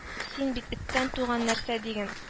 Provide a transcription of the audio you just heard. Син бит эттән туган нәрсә, диген